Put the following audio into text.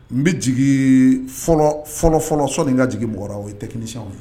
N bɛ jigin fɔlɔfɔlɔ sɔn nin ka jigin mɔgɔ o ye tɛini ye